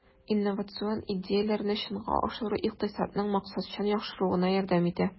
Инновацион идеяләрне чынга ашыру икътисадның максатчан яхшыруына ярдәм итә.